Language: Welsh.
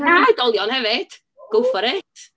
Na! Oedolion hefyd, go for it!